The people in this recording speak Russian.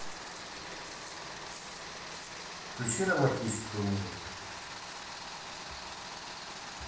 включи романтическую музыку